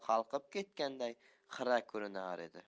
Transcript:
qolib ketganday xira ko'rinar edi